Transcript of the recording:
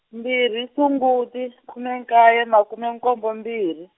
mbirhi Sunguti, khume nkaye makume nkombo mbirhi.